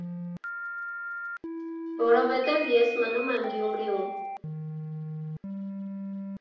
Որովհետև ես մնում եմ Գյումրիում։